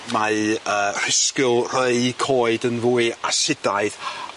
Mae yy rhisgl rhei coed yn fwy asidaidd